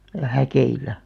ja häkeillä